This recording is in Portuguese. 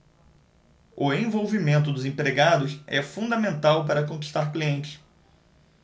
o envolvimento dos empregados é fundamental para conquistar clientes